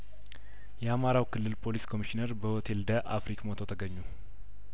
የአማራው ክልል ፖሊስ ኮሚሽነር በሆቴል ደ አፍሪክ ሞተው ተገኙ